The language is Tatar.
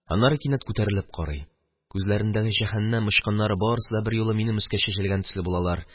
Аннары кинәт күтәрелеп карый, күзләрендәге җәһәннәм очкыннары барысы да берьюлы минем өскә чәчелгән төсле булалар.